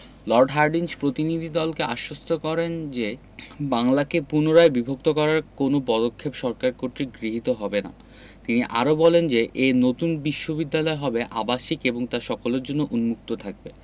Lord Hardinge প্রতিনিধিদলকে আশ্বস্ত করেন যে বাংলাকে পুনরায় বিভক্ত করার কোনো পদক্ষেপ সরকার কর্তৃক গৃহীত হবে না তিনি আরও বলেন যে এ নতুন বিশ্ববিদ্যালয় হবে আবাসিক এবং তা সকলের জন্য উন্মুক্ত থাকবে